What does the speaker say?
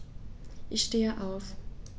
Ich stehe auf.